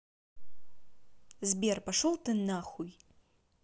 сбер пошел ты нахуй